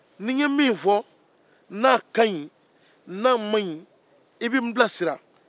ni n ye min fɔ i be n bilasira n'a ka ɲi n'a man ɲi